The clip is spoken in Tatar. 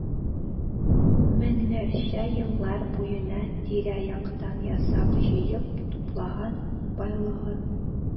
Меңнәрчә еллар буена тирә-яктан ясак җыеп туплаган ул байлыгын.